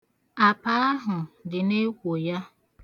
Apa ahụ dị n'ekwo ya.